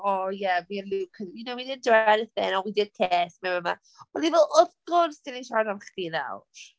O yeah me and Luke, you know, we didn't do anything, oh we did kiss. O'n ni fel wrth gwrs dan ni'n siarad am chdi nawr.